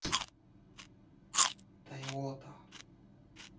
тойота